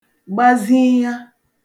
gbaziiya